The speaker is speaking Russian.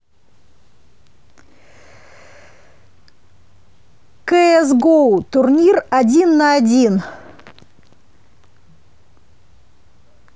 cs go турнир один на один